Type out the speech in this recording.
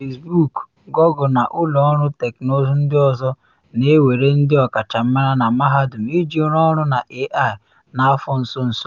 Facebook, Google na ụlọ ọrụ teknụzụ ndị ọzọ na ewere ndị ọkachamara na mahadum iji rụọ ọrụ na AI n’afọ nso nso a.